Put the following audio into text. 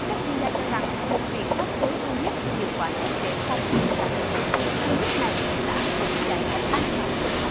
các chuyên gia cho rằng một biện pháp tối ưu nhất hiệu quả nhất để phòng ngừa dịch tả lợn châu phi ngay lúc này là áp dụng giải pháp an toàn sinh học